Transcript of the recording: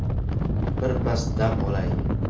birpas dam olay